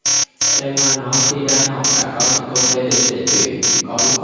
em nghe nói khi đang học đã có những công ty đến để tuyển có đúng không